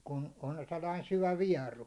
kun on sellainen syvä vieru